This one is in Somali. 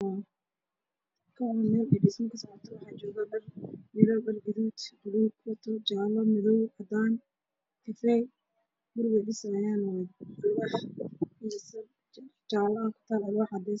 Waa meel dhisme ah ka socda